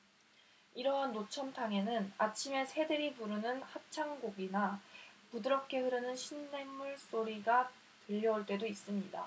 이러한 노천탕에는 아침에 새들이 부르는 합창곡이나 부드럽게 흐르는 시냇물 소리가 들려올 때도 있습니다